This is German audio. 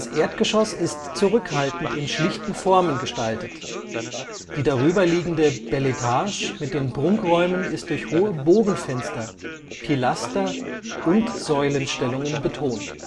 Erdgeschoss ist zurückhaltend in schlichten Formen gestaltet, die darüber liegende Beletage mit den Prunkräumen ist durch hohe Bogenfenster, Pilaster und Säulenstellungen betont